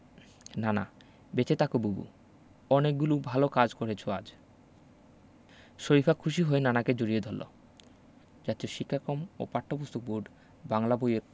নানা বেঁচে তাকো বুবু অনেকগুলু ভালো কাজ করেছ আজ শরিফা খুশি হয়ে নানাকে জড়িয়ে ধরল জাতীয় শিক্ষাকম ওপাট্যপুস্তক বুর্ড বাংলা বই এর